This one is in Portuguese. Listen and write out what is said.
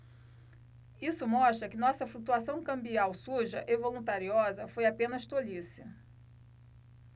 isso mostra que nossa flutuação cambial suja e voluntariosa foi apenas tolice